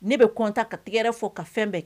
Ne bɛ content ka tigɛrɛ fɔ ka fɛn bɛɛ k